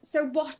*So what